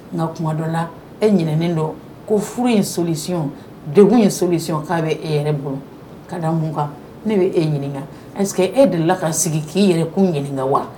Nka kuma dɔ la e ɲinen don ko furu ye solisi deg in soli k'a bɛ e yɛrɛ bolo ka da mun kan ne bɛ e ɲininkaka ayiseke e dela k ka sigi k'i yɛrɛ'u ɲininkaka wa